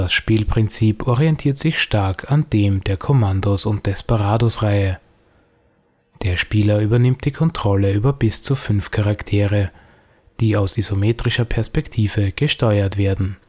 Spielprinzip orientiert sich stark an dem der Commandos - und Desperados-Reihe. Der Spieler übernimmt die Kontrolle über bis zu fünf Charaktere, die aus isometrischer Perspektive gesteuert werden